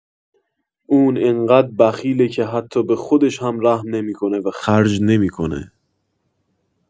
اون انقدر بخیله که حتی به خودش هم رحم نمی‌کنه و خرج نمی‌کنه.